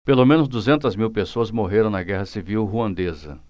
pelo menos duzentas mil pessoas morreram na guerra civil ruandesa